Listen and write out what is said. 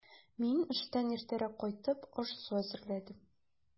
Мин, эштән иртәрәк кайтып, аш-су әзерләдем.